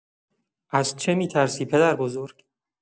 از چه می‌ترسی پدربزرگ؟